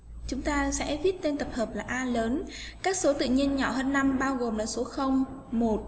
chúng ta sẽ viết tên tập hợp là lớn các số tự nhiên nhỏ hơn bao gồm mà số